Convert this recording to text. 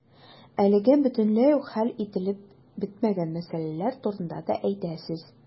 Әлегә бөтенләй үк хәл ителеп бетмәгән мәсьәләләр турында да әйтәсез.